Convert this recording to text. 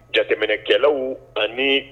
Jateminɛkɛlaw ani